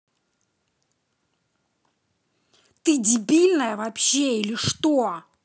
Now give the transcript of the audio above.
ты дебильная вообще или что